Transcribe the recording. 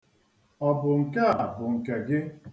Ọ bụ nke a bụ nke gị?